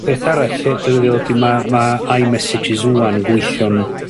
...peth arall 'dyn nw 'di ddod i ma' ma' I Messages ŵan yn gweithion